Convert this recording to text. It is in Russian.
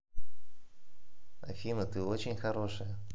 афина ты очень хорошая